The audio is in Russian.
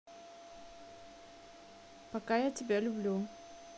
пока я тебя люблю